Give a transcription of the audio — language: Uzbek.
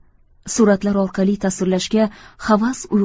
suratlar orqali tasvirlashga havas